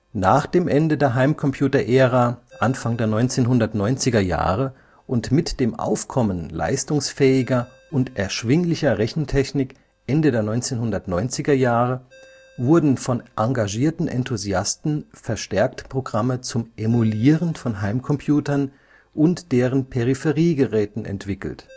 Nach dem Ende der Heimcomputerära Anfang der 1990er Jahre und mit dem Aufkommen leistungsfähiger und erschwinglicher Rechentechnik Ende der 1990er Jahre wurden von engagierten Enthusiasten verstärkt Programme zum Emulieren von Heimcomputern und deren Peripheriegeräten entwickelt